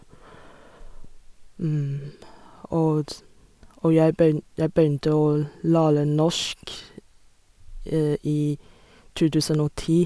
og ds Og jeg byn jeg begynte å l lære norsk i to tusen og ti.